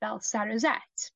fel cerazette.